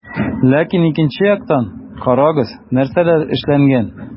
Ләкин икенче яктан - карагыз, нәрсәләр эшләнгән.